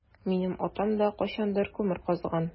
Минем атам да кайчандыр күмер казыган.